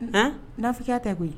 Han! Nanfigiya tɛ koyi!